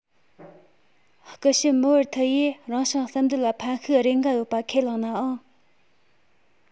སྐུ ཞབས མི ཝར ཐི ཡིས རང བྱུང བསལ འདེམས ལ ཕན ཤུགས རེ འགའ ཡོད པ ཁས ལེན ནའང